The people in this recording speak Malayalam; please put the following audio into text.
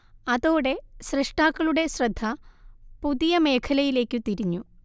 അതോടെ സ്രഷ്ടാക്കളുടെ ശ്രദ്ധ പുതിയമേഖലയിലേക്കു തിരിഞ്ഞു